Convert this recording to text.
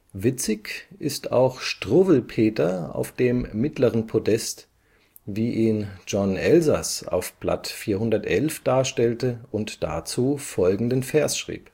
Witzig ist auch Struwwelpeter auf dem mittleren Podest, wie ihn John Elsas auf Blatt 411 darstellte und dazu folgenden Vers schrieb